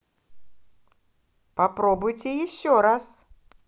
попробуйте еще раз